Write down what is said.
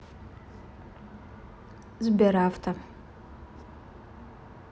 сберавто